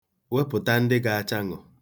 Wepụta ndị ga-achaṅụ.